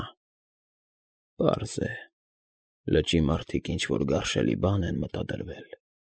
Նա։֊ Պարզ է, լճի մարդիկ ինչ֊որ գարշելի բան են մտադրվել։